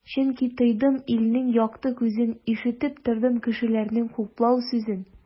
Чөнки тойдым илнең якты күзен, ишетеп тордым кешеләрнең хуплау сүзен.